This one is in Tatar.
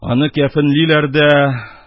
Аны кәфенлиләр дә,